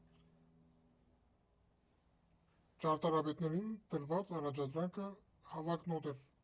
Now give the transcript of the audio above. Ճարտարապետներին տրված առաջադրանքը հավակնոտ էր.